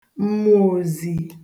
mmụọ̀ozī